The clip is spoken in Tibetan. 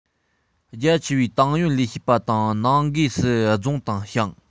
རྒྱ ཆེ བའི ཏང ཡོན ལས བྱེད པ དང ནང སྒོས སུ རྫོང དང ཞང